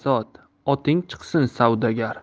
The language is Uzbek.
sot oting chiqsin savdogar